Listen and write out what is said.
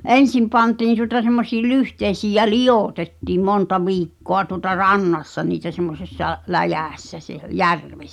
ensin pantiin tuota semmoisiin lyhteisiin ja - liotettiin monta viikkoa tuota rannassa niitä semmoisessa läjässä - järvessä